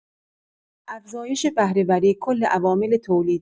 افزایش بهره‌وری کل عوامل تولید